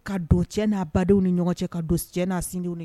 Ka don cɛ n'a badenw ni ɲɔgɔn cɛ ka don cɛ n'a sindiw ni